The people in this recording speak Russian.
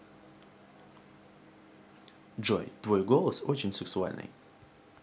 джой твой голос очень сексуальный